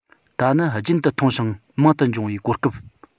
ད ནི རྒྱུན དུ མཐོང ཞིང མང དུ འབྱུང བའི གོ སྐབས